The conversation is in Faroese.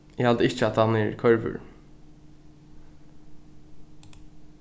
eg haldi ikki at hann er koyriførur